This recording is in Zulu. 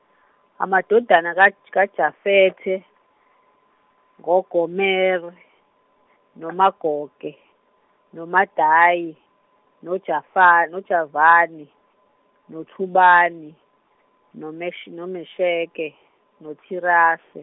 amadodana ka- J- ka- Jafethe, ngo- Gomere, no- Magoge, no- Madayi, no- Jafa- no- Javani, no- Thubani, noMish- no- Misheke, no- Thirase.